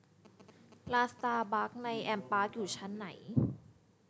ร้านสตาร์บัคในแอมปาร์คอยู่ชั้นไหน